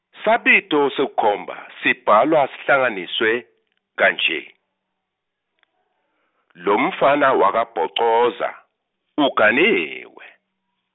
sabito sekukhomba sibhalwa sihlanganiswe kanje , lomfana wakaBhocoza uganiwe .